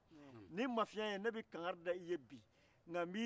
ni sunkalo bɛ sa tumami na o ye caman dabilalen ye